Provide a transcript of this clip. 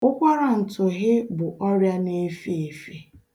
Ụkwarantụhị bụ ọrịa na-efe efe.